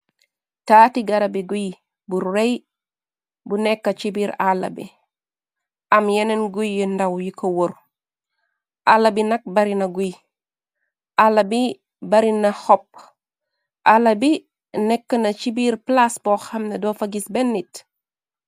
Taati garabi guy bu rëy bu nekka ci biir àlla bi am yeneen guy yi ndaw yi ko wor àlla bi nak bari na guy àlla bi bari na xopp àlla bi neka na ci biir plaas bo xamna doofa gis ben neet.